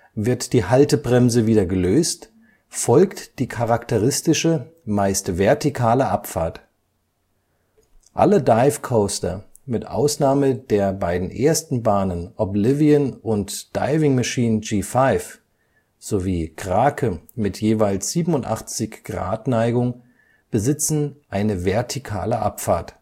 Wird die Haltebremse wieder gelöst, folgt die charakteristische, meist vertikale Abfahrt. Alle Dive Coaster, mit Ausnahme der beiden ersten Bahnen Oblivion und Diving Machine G5 sowie Krake mit jeweils 87° Neigung, besitzen eine vertikale Abfahrt